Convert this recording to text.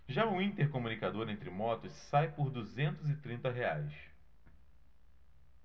já o intercomunicador entre motos sai por duzentos e trinta reais